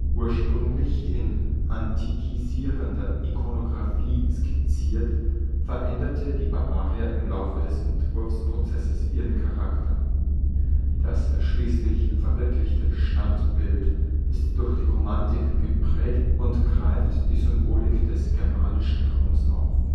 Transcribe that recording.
Ursprünglich in antikisierender Ikonographie skizziert, veränderte die Bavaria im Laufe des Entwurfsprozesses ihren Charakter. Das schließlich verwirklichte Standbild ist durch die Romantik geprägt und greift die Symbolik des germanischen Raums auf